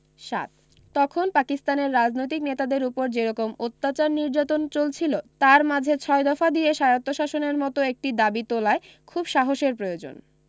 ৭ তখন পাকিস্তানের রাজনৈতিক নেতাদের ওপর যেরকম অত্যাচার নির্যাতন চলছিল তার মাঝে ছয় দফা দিয়ে স্বায়ত্ব শাসনের মতো একটি দাবি তোলায় খুব সাহসের প্রয়োজন